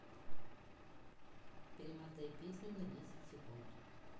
перемотай песню на десять секунд назад